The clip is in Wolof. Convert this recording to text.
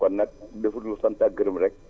kon nag deful lu sant ak gërëm rek